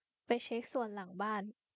ไปเช็คสวนหลังบ้าน